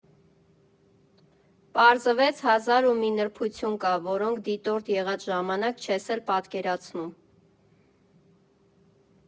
Պարզվեց՝ հազար ու մի նրբություն կա, որոնք դիտորդ եղած ժամանակ չես էլ պատկերացնում։